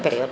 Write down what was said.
période